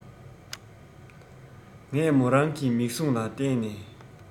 ངས མོ རང གི མིག གཟུངས ལ ལྟས ནས